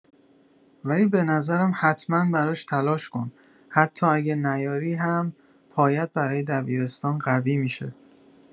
ولی به نظرم حتما براش تلاش کن، حتی اگه نیاری هم‌پایه‌ات برای دبیرستان قوی می‌شه.